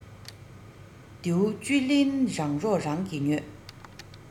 རྡེའུ བཅུད ལེན རང སྡུག རང གིས ཉོས